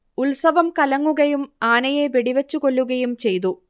ഉത്സവം കലങ്ങുകയും ആനയെ വെടിവച്ചുകൊല്ലുകയും ചെയ്തു